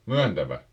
Myöntävä